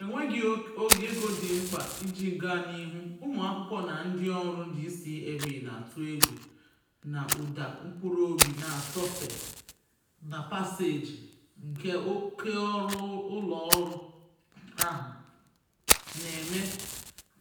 Enweghị ego dị oke mkpa iji gaa n'ihu, ụmụakwụkwọ na ndị ọrụ DCMA na-atụ egwu na ụda mkpụrụobi na-asọfe na paseeji nke oké ụlọ ọrụ ahụ na-eme